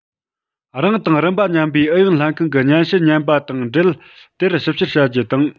རང དང རིམ པ མཉམ པའི ཨུ ཡོན ལྷན ཁང གི སྙན ཞུ ཉན པ དང འབྲེལ དེར ཞིབ བཤེར བྱ རྒྱུ དང